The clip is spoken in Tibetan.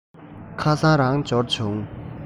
ཁ སང རང འབྱོར བྱུང